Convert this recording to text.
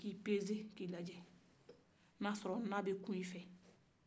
k'i peze k'i lajɛ n'a sɔrɔ n'a bɛ kun i fɛ